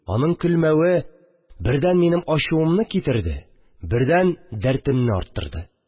Аның көлмәве, бердән, минем ачуымны китерде, бердән, дәртемне арттырды